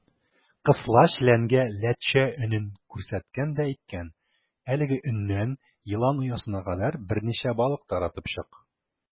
Кысла челәнгә ләтчә өнен күрсәткән дә әйткән: "Әлеге өннән елан оясына кадәр берничә балык таратып чык".